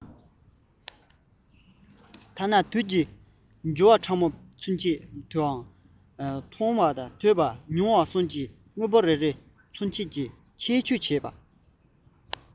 ཐ ན དུས ཀྱི རྒྱུ བ ཕྲ མོ ཚུན ཆད དུའང མཐོས ཐོས མྱོང གསུམ གྱི དངོས པོ རེ རེ བ ཚུན ཆད ཀྱི ཁྱད ཆོས དང བྱེད ལས